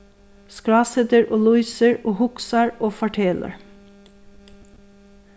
skrásetir og lýsir og hugsar og fortelur